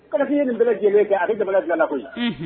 Fin ye nin bɛɛ lajɛlen kɛ a bɛ jamanajɛ la koyi